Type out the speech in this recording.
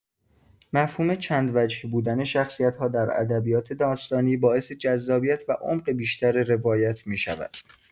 مفهوم چندوجهی بودن شخصیت‌ها در ادبیات داستانی باعث جذابیت و عمق بیشتر روایت می‌شود.